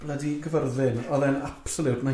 Blydi Cyfyrddin, oedd e'n absolute nightmare.